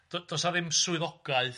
do- does 'na ddim swyddogaeth,